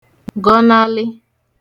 gọnalị